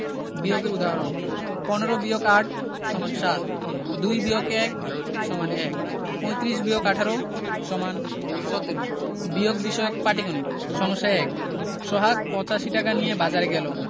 বিয়োগের উদাহরণঃ ১৫ – ৮ = ৭ ২ - ১ =১ ৩৫ – ১৮ = ১৭ বিয়োগ বিষয়ক পাটিগনিতঃ সমস্যা ১ সোহাগ ৮৫ টাকা নিয়ে বাজারে গেল